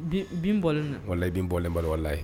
Bbɔ walalabbɔbaliwala ye